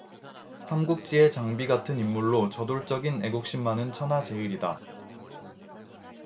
삼국지의 장비 같은 인물로 저돌적인 애국심만은 천하제일이다